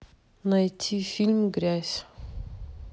найти фильм грязь